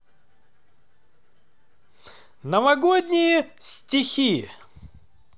новогодние стихи